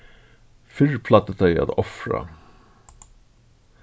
fyrr plagdu tey at ofra